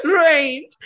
Range.